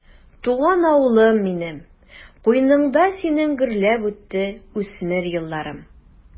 Туган авылым минем, куеныңда синең гөрләп үтте үсмер елларым.